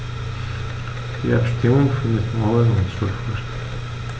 Die Abstimmung findet morgen um 12.00 Uhr statt.